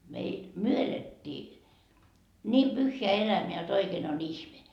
meillä me elettiin niin pyhää elämää jotta oikein on ihme